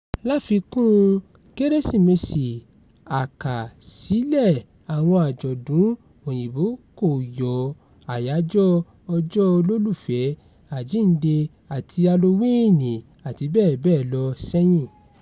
Láfikún-un Kérésìmesì, àkàsílẹ̀ àwọn àjọ̀dún Òyìnbó kò yọ Àyájọ́ Ọjọ́ Olólùfẹ́, Àjíǹde àti Halowíìnì, àti bẹ́ẹ̀ bẹ́ẹ̀ lọ sí ẹ̀yìn.